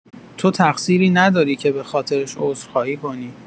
تو تقصیری نداری که به خاطرش عذرخواهی کنی.